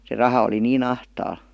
se raha oli niin ahtaalla